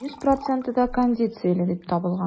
Йөз проценты да кондицияле дип табылган.